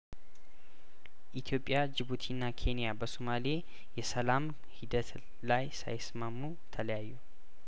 ኢትዮጵያ ጅቡቲና ኬንያበሶማሌ የሰላም ሂደት ላይ ሳይስማሙ ተለያዩ